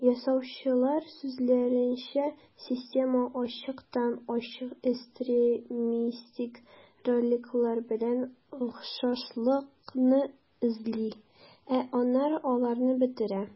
Ясаучылар сүзләренчә, система ачыктан-ачык экстремистик роликлар белән охшашлыкны эзли, ә аннары аларны бетерә.